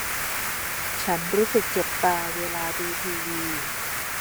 ฉันรู้สึกเจ็บตาเวลาดูทีวี